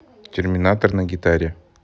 терминатор на гитаре